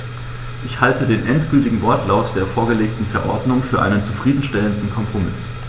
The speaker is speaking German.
Ich halte den endgültigen Wortlaut der vorgelegten Verordnung für einen zufrieden stellenden Kompromiss.